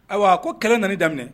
Ayiwaa ko kɛlɛ nani daminɛ